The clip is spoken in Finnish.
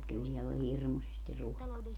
kyllä siellä oli hirmuisesti ruokaa